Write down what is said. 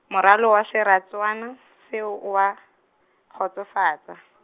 moralo wa seratswana , seo oa, kgotsofatsa.